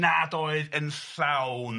Nad oedd yn llawn